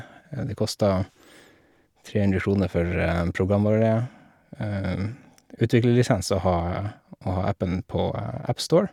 Det koster tre hundre kroner for programvareutviklerlisens å ha å ha appen på Appstore.